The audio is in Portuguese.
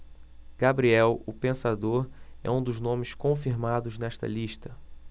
gabriel o pensador é um dos nomes confirmados nesta lista